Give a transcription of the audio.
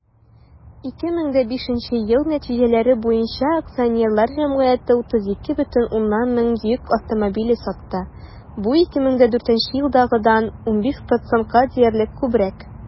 2005 ел нәтиҗәләре буенча акционерлар җәмгыяте 32,2 мең йөк автомобиле сатты, бу 2004 елдагыдан 15 %-ка диярлек күбрәк.